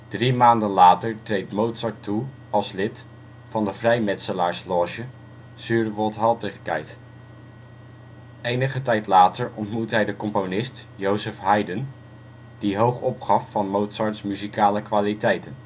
Drie maanden later treedt Mozart toe als lid van de vrijmetselaarsloge ' Zur Wohlthätigkeit '. Enige tijd later ontmoet hij de componist Joseph Haydn, die hoog opgaf van Mozarts muzikale kwaliteiten